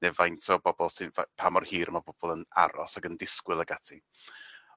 neu faint o bobol sydd yy pa mor hir ma' pobol yn aros ag yn disgwl ag ati.